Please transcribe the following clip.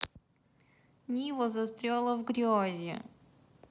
нива застряла в грязи